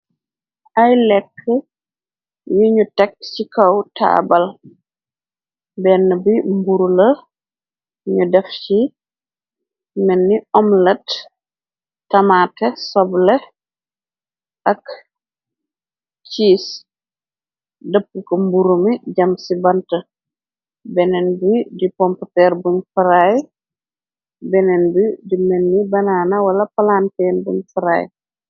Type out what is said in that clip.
Ay lekka yuñu tekk ci kaw taabal , benn bi mburu la ñu def ci menni homlat ,tamaate ,soble ak ciis, dëpp ko mburu mi jam ci bant , bennen bi di pomptër buñ fraiy, beneen bi di menni banana wala palanteen buñ fraiy.